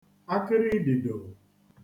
akịrịidìdò